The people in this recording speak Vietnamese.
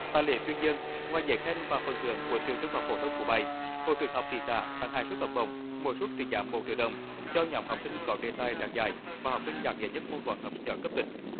tại lễ tuyên dương ngoài giấy khen và phần thưởng của trường trung học phổ thông phú bài hội khuyến học thị xã tặng hai suất học bổng mỗi suất trị giá một triệu đồng cho nhóm học sinh có đề tài đạt giải và học sinh đạt giải nhất môn toán học sinh giỏi cấp tỉnh